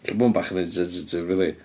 Ella bod hwn bach yn ansensitif rili.